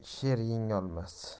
erni sher yengolmas